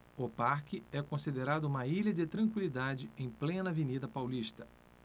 o parque é considerado uma ilha de tranquilidade em plena avenida paulista